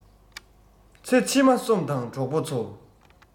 ཚེ ཕྱི མ སོམས དང གྲོགས པོ ཚོ